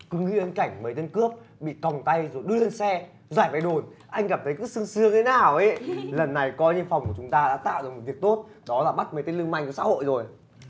cứ nghĩ đến cảnh mấy tên cướp bị còng tay rồi đưa lên xe giải về đồn anh cảm thấy cứ sướng sướng thế nào ý lần này coi như phòng của chúng ta đã tạo được một việc tốt đó là bắt mấy tên lưu manh cho xã hội rồi